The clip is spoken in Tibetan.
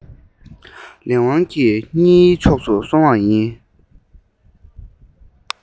ལས དབང གི རྙིའི ཕྱོགས སུ སོང བ ཡིན